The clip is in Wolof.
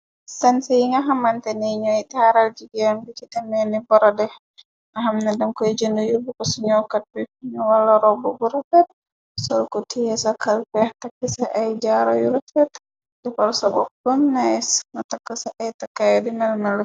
Sanse yi nga xamante ni ñooy taaral jigeen bi ci dameeni borode naxam na dem koy jënn yurb ko suñokat bi finu wala robb bu rafet sol ku tiyee sa kalfeex takki sa ay jaaro yu rofet defar sa bokk bomnais ma takk sa ay takkaaya di melmelo.